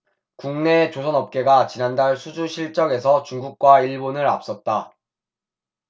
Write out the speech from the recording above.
국내 조선업계가 지난달 수주 실적에서 중국과 일본을 앞섰다